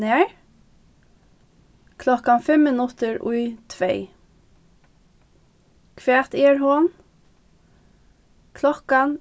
nær klokkan fimm minuttir í tvey hvat er hon klokkan